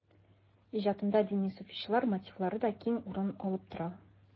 Иҗатында дини-суфыйчыл мотивлар да киң урын алып тора.